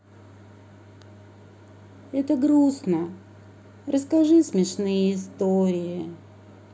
это грустно расскажи смешные истории